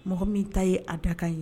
Mɔgɔ min ta ye a da ka ye